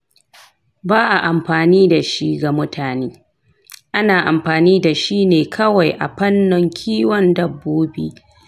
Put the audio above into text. ba a amfani da shi ga mutane. ana amfani da shi ne kawai a fannin kiwon dabbobi.